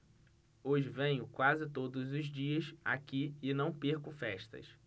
hoje venho quase todos os dias aqui e não perco festas